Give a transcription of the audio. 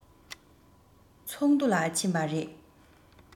ཚོགས འདུ ལ ཕྱིན པ རེད